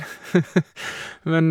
Men...